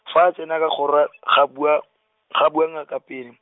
fa a tsena ka kgoro, ga bua, ga bua ngaka pele.